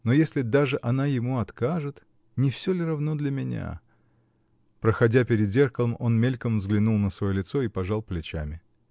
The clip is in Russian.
но если даже она ему откажет -- не все ли равно для меня?" Проходя перед зеркалом, он мельком взглянул на свое лицо и пожал плечами.